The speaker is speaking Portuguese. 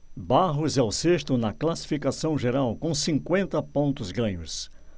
barros é o sexto na classificação geral com cinquenta pontos ganhos